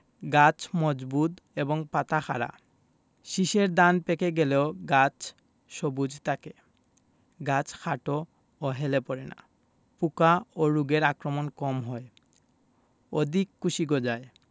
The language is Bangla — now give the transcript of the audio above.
গাছ মজবুত এবং পাতা খাড়া শীষের ধান পেকে গেলেও গাছ সবুজ থাকে গাছ খাটো ও হেলে পড়ে না পোকা ও রোগের আক্রমণ কম হয় অধিক কুশি গজায়